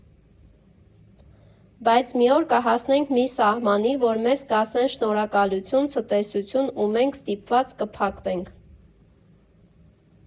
Բայց մի օր կհասնենք մի սահմանի, որ մեզ կասեն՝ շնորհակալություն, ցտեսություն, ու մենք ստիպված կփակվենք։